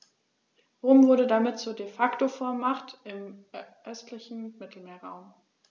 Rom wurde damit zur ‚De-Facto-Vormacht‘ im östlichen Mittelmeerraum.